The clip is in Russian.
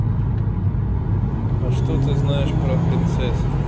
а что ты знаешь про принцесс